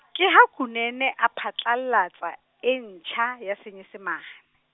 ke ha Kunene a phatlallatsa e ntjha, ya Senyesemane.